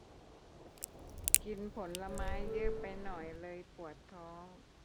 กินผลไม้เยอะไปหน่อยเลยปวดท้อง